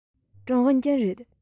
ཀྲང ཝུན ཅུན རེད